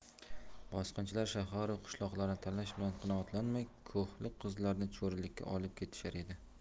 bosqinchilar shaharu qishloqlarni talash bilan qanoatlanmay ko'hlik qizlarni cho'rilikka olib ketishar edi